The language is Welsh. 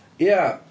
Ia.